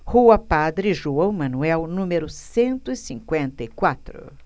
rua padre joão manuel número cento e cinquenta e quatro